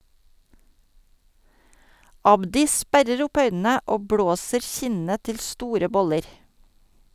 Abdi sperrer opp øynene og blåser kinnene til store boller.